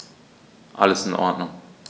Alles in Ordnung.